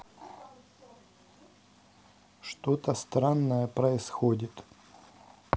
что то странное происходит